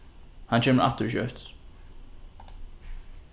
hann kemur aftur skjótt